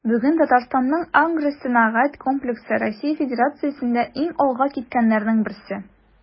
Бүген Татарстанның агросәнәгать комплексы Россия Федерациясендә иң алга киткәннәрнең берсе.